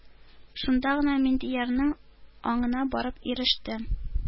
Шунда гына Миндиярның аңына барып иреште: